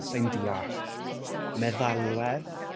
Sai'n deall meddalwedd?